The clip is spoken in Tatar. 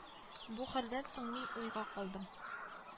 Бу хәлдән соң мин уйга калдым